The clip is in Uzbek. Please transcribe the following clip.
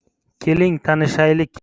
keling tanishaylik